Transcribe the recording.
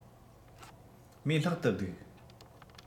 མོའི ལྷག ཏུ སྡུག